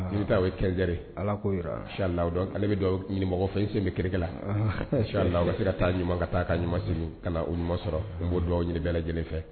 N'i taa ye kɛsɛri ala k'o siyanladɔ ale bɛ ɲinimɔgɔ fɛsin bɛ kɛrɛkɛla la sila aw bɛ se ka taa ɲuman ka taa ka ɲumansin ka na u ɲumanuma sɔrɔ n b'o dugawu ɲini bɛ lajɛlen fɛ